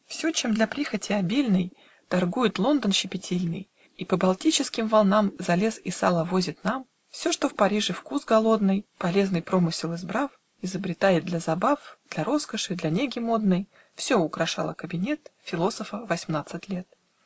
Все, чем для прихоти обильной Торгует Лондон щепетильный И по Балтическим волнам За лес и сало возит нам, Все, что в Париже вкус голодный, Полезный промысел избрав, Изобретает для забав, Для роскоши, для неги модной, - Все украшало кабинет Философа в осьмнадцать лет.